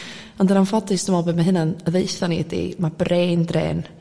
ond yn anffodus dwi me'l be' ma' hyna'n ddeutha ni ydi ma' brain drain